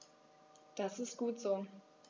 Das ist gut so.